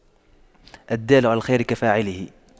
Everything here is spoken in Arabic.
الدال على الخير كفاعله